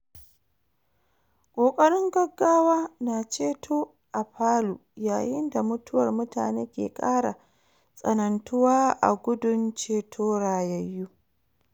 Ƙoƙarin gaggawa na ceto a Palu yayin da mutuwar mutane ke kara tsanantuwa a gudun ceto rayayyu